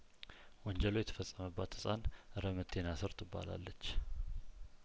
ወንጀሉ የተፈጸመባት ህጻን ረመቴናስር ትባላለች